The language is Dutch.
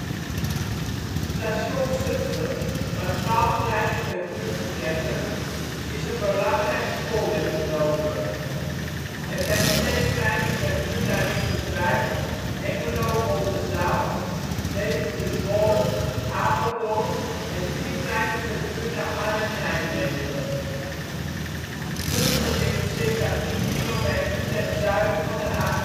Station Zutphen, waar twaalf treinen per uur vertrekken, is een belangrijk spoorwegknooppunt. Er zijn twee treinen per uur naar Winterswijk, Hengelo-Oldenzaal, Deventer-Zwolle, Apeldoorn, en vier treinen per uur naar Arnhem-Nijmegen. Zutphen ligt circa tien kilometer ten zuiden van de A1